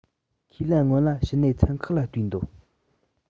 ཁས ལེན སྔོན ལ ཕྱི ནད ཚན ཁག ལ བལྟ འདོད